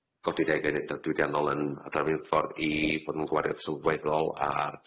godi deg o uneda' diwydiannol yn , i fod yn gwario'n sylweddol ar